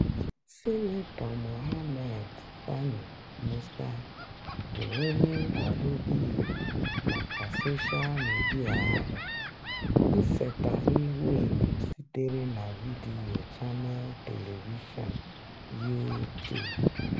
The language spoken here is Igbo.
Sinetọ Mohammed Sani Musa bụ onye nkwado bịịlụ maka soshaa midịa ahụ. Nseta ihuenyo sitere na vidiyo Channel Television You Tube.